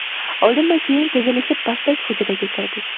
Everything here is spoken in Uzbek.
oldinma keyin tizilishib pastak hujraga kirdik